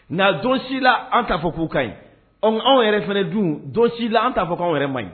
Nka don si la an t'a fɔ k'u ka ɲi ɔ anw yɛrɛ fana dun don si la an t'a fɔ k'anw yɛrɛ man ɲi